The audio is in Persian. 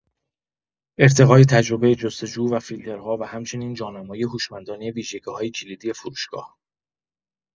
ارتقای تجربۀ جست‌وجو و فیلترها و همچنین جانمایی هوشمندانۀ ویژگی‌های کلیدی فروشگاه